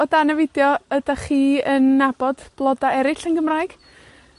o dan y fideo. Ydach chi yn nabod bloda eryll yn Gymraeg?